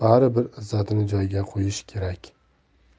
bir izzatini joyiga qo'yishi kerak